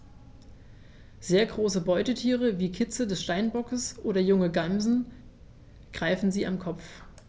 Sehr große Beutetiere wie Kitze des Steinbocks oder junge Gämsen greifen sie am Kopf.